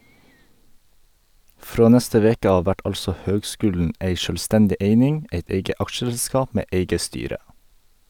Frå neste veke av vert altså høgskulen ei sjølvstendig eining, eit eige aksjeselskap med eige styre.